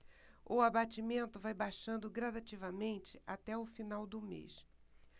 o abatimento vai baixando gradativamente até o final do mês